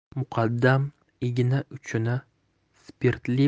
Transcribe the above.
muqaddam igna uchini spirtli